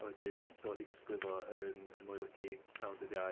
A wedyn dod i gasglu fo yn yn Moelyci prynhawn dydd Iau.